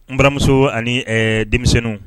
N baramuso ani ɛɛ denmisɛnninw